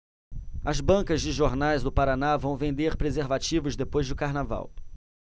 as bancas de jornais do paraná vão vender preservativos depois do carnaval